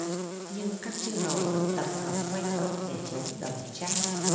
nhưng các chư hầu vẫn tập hợp quanh ông để chống đổng trác